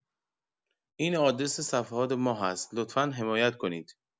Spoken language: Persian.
این آدرس صفحات ما هست، لطفا حمایت کنید